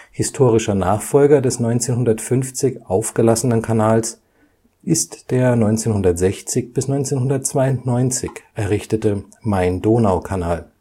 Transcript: Historischer Nachfolger des 1950 aufgelassenen Kanals ist der 1960 bis 1992 errichtete Main-Donau-Kanal